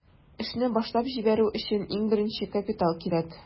Эшне башлап җибәрү өчен иң беренче капитал кирәк.